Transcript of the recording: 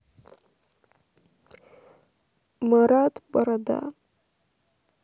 марат борода